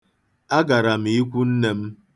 Agara m ikwunne m.